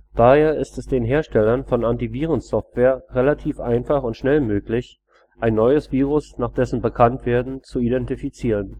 Daher ist es den Herstellern von Anti-Viren-Software relativ einfach und schnell möglich, ein neues Virus nach dessen Bekanntwerden zu identifizieren